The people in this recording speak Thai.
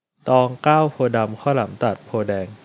ตองเก้าโพธิ์ดำข้าวหลามตัดโพธิ์แดง